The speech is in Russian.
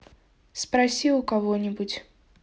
спроси у кого нибудь